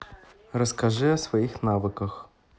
расскажи о своих навыках